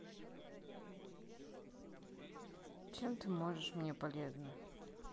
чем ты можешь мне полезна